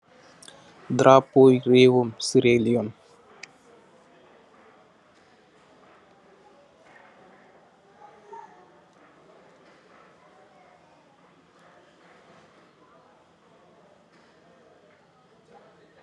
Daraapooh, raiwu Sierra Leone.